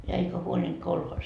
ja eikä huolinut kolhoosi